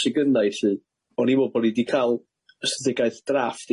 sy gynna i 'lly o'n i'n me'wl bo' ni 'di ca'l ystadegaeth drafft